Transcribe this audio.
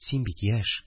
Син бит яшь